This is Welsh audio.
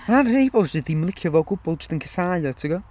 Mae 'na rhai pobl sydd jyst ddim yn licio fo o gwbl jyst yn casáu o timod?